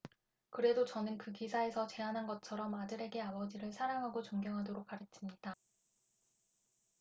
그래도 저는 그 기사에서 제안한 것처럼 아들에게 아버지를 사랑하고 존경하도록 가르칩니다